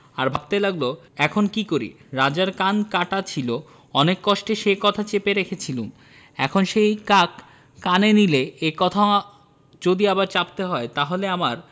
আর ভাবতে লাগল এখন কী করি রাজার কান কাটা ছিল অনেক কষ্টে সে কথা চেপে রেখেছিলুম এখন সেই কাক কানে নিলে এ কথাও যদি আবার চাপতে হয় তাহলে আমার